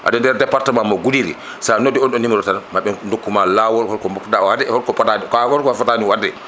aɗa nder département mo Goudiry sa noddi on ɗon numéro tan maaɓe dokkuma lawol holko mofɗa wade holko a fotani wadde